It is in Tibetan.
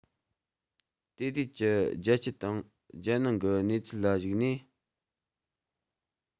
དེ དུས ཀྱི རྒྱལ སྤྱི དང རྒྱལ ནང གི གནས ཚུལ ལ གཞིགས ནས